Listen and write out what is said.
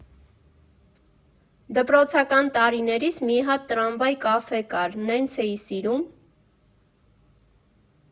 Դպրոցական տարիներիս մի հատ տրամվայ֊կաֆե կար, նենց էի սիրում։